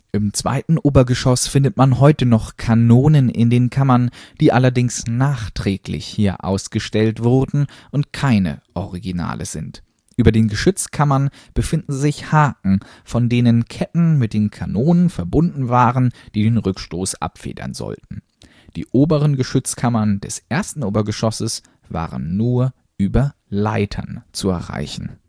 Im zweiten Obergeschoss findet man heute noch Kanonen in den Kammern, die allerdings nachträglich hier ausgestellt wurden und keine Originale sind. Über den Geschützkammern befinden sich Haken, von denen Ketten mit den Kanonen verbunden waren, die den Rückstoß abfedern sollten. Die oberen Geschützkammern des ersten Obergeschosses waren nur über Leitern zu erreichen